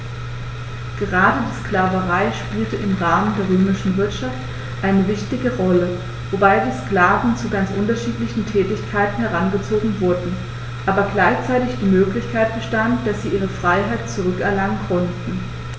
Gerade die Sklaverei spielte im Rahmen der römischen Wirtschaft eine wichtige Rolle, wobei die Sklaven zu ganz unterschiedlichen Tätigkeiten herangezogen wurden, aber gleichzeitig die Möglichkeit bestand, dass sie ihre Freiheit zurück erlangen konnten.